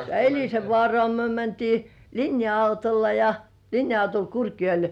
Elisenvaaraan me mentiin linja-autolla ja linja-autolla Kurkijoelle